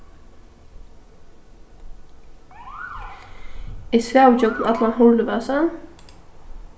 eg svav ígjøgnum allan hurlivasan